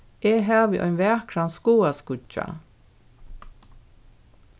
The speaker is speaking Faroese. eg havi ein vakran skáaskíggja